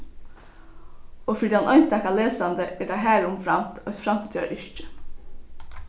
og fyri tann einstaka lesandi er tað harumframt eitt framtíðar yrki